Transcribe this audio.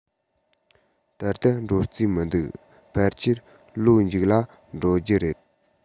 ད ལྟ འགྲོ རྩིས མི འདུག ཕལ ཆེར ལོ མཇུག ལ འགྲོ རྒྱུ རེད